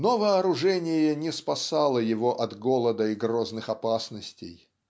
но вооружение не спасало его от голода и грозных опасностей.